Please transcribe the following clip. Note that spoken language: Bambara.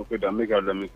Ok